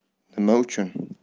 nima uchun